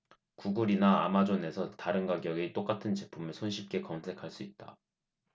구글이나 아마존에서 다른 가격의 똑같은 제품을 손쉽게 검색할 수 있다